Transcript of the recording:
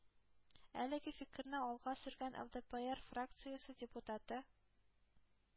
Әлеге фикерне алга сөргән элдыпыэр фракциясе депутаты